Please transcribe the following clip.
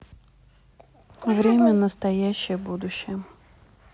время настоящее будущее